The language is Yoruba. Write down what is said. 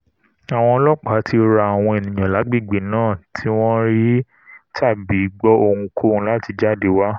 Àwọn ọlọ́ọ̀pá ti rọ àwọn ènìyàn lágbègbè náà tí wón rí tàbí gbọ́ ohunkóhun latí jáde wa.